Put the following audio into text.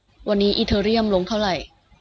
วันนี้อีเธอเรียมลงเท่าไหร่